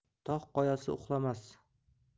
tog' qoyasi uxlamas